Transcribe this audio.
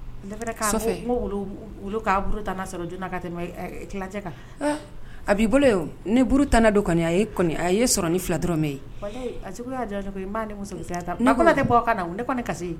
A b'i bolo ne tan don a a sɔrɔ ni fila dɔrɔn bɔ na ne kɔni kasi ye